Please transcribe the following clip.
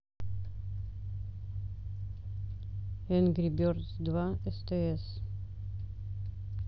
энгри бердс два стс